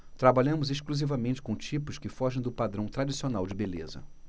trabalhamos exclusivamente com tipos que fogem do padrão tradicional de beleza